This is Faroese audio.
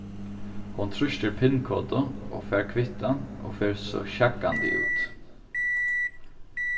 hon trýstir pin-kodu og fær kvittan og fer so sjaggandi út